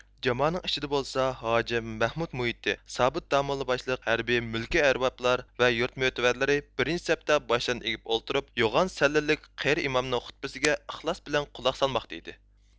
جامانىڭ ئىچىدە بولسا ھاجىم مەھمۇت مۇھىتى سابىت داموللا باشلىق ھەربىي مۈلكىي ئەربابلار ۋە يۇرت مۆتىۋەرلىرى بىرىنچى سەپتە باشلىرىنى ئېگىپ ئولتۇرۇپ يوغان سەللىلىك قېرى ئىمامنىڭ خۇتبىسىگە ئىخلاس بىلەن قۇلاق سالماقتا ئىدى